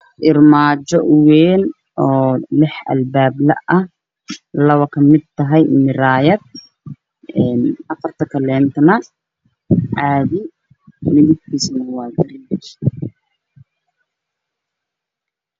Waa armaajo wayn oo lix albaab leh, labo kamida waa muraayad afarta kale caadi Armaajada waa gariije.